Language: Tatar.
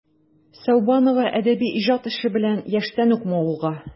Сәүбанова әдәби иҗат эше белән яшьтән үк мавыга.